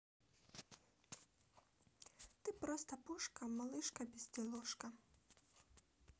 ты просто просто пушка малышка безделушка